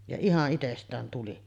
ja ihan itsestään tuli